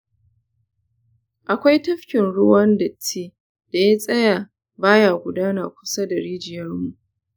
akwai tafkin ruwan datti da ya tsaya ba ya gudana kusa da rijiyarmu.